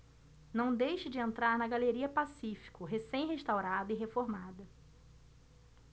não deixe de entrar na galeria pacífico recém restaurada e reformada